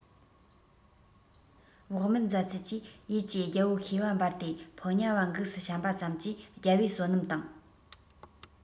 བག མེད མཛད ཚུལ གྱིས ཡུལ གྱི རྒྱལ པོ ཤེས པ འབར ཏེ ཕོ ཉ བ འགུགས སུ བཤམས པ ཙམ གྱིས རྒྱལ པོའི བསོད ནམས དང